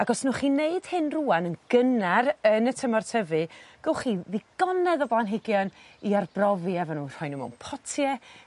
ac os nwch chi neud hyn rŵan yn gynnar yn y tymor tyfu gowch chi ddigonedd o blanhigion i arbrofi efo n'w rhoi n'w mewn potie